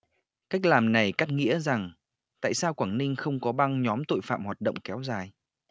cách làm này cắt nghĩa rằng tại sao quảng ninh không có băng nhóm tội phạm hoạt động kéo dài